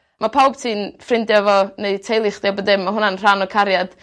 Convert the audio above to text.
Ma' pawb ti'n ffrindia efo neu teulu chdi a bo' dim ma' hwnna'n rhan o cariad.